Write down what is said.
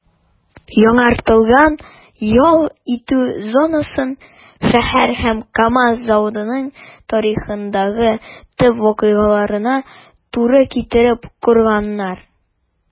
Яңартылган ял итү зонасын шәһәр һәм КАМАЗ заводының тарихындагы төп вакыйгаларына туры китереп корганнар.